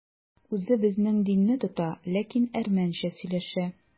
Үзе безнең динне тота, ләкин әрмәнчә сөйләшә.